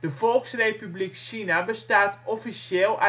Volksrepubliek China bestaat officieel